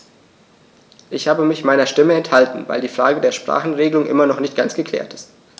Ich habe mich meiner Stimme enthalten, weil die Frage der Sprachenregelung immer noch nicht ganz geklärt ist.